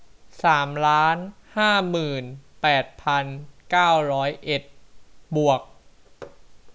สามล้านห้าหมื่นแปดพันเก้าร้อยเอ็ดบวก